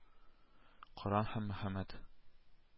Корәһ һәм Мөхәммәт